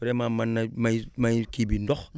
vraiment mën na may may kii bi ndox